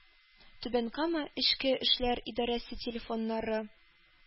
Түбән Кама эчке эшләр идарәсе телефоннары: